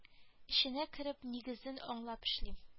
Эченә кереп нигезен аңлап эшлим